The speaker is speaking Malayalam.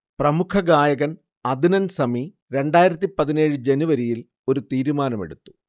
പ്രമുഖഗായകൻ അദ്നൻ സമി രണ്ടായിരത്തിപ്പതിനേഴ് ജനുവരിയിൽ ഒരു തീരുമാനമെടുത്തു